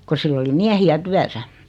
kun sillä oli miehiä työssä